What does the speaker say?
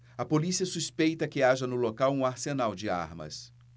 a polícia suspeita que haja no local um arsenal de armas